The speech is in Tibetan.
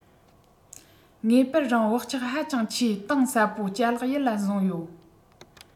ངེས པར རང བག ཆགས ཧ ཅང ཆེས གཏིང ཟབ པོ ལྕ ལག ཡིད ལ བཟུང ཡོད